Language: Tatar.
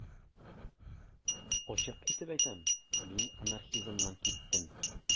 Ачык итеп әйтәм: мин анархизмнан киттем.